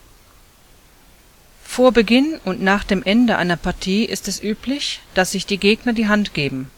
Vor Beginn und nach dem Ende einer Partie ist es üblich, dass sich die Gegner die Hand geben